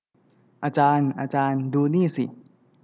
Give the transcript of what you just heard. อาจารย์อาจารย์ดูนี่สิ